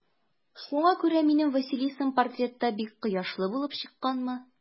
Шуңа күрә минем Василисам портретта бик кояшлы булып чыкканмы?